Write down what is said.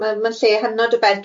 Ma ma'n lle hynod o bert,